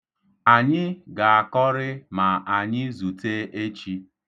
Anyị ga-akọrị ma anyị zute echi.